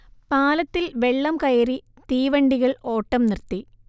പാലത്തിൽ വെള്ളം കയറി തീവണ്ടികൾ ഓട്ടം നിർത്തി